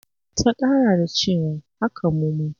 Ta ƙara da cewa, "Haka muma".